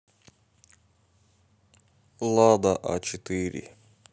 лада а четыре